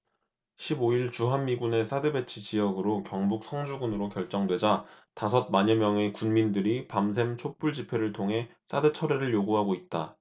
십 오 일 주한미군의 사드 배치 지역으로 경북 성주군으로 결정되자 다섯 만여명의 군민들이 밤샘 촛불 집회를 통해 사드 철회를 요구하고 있다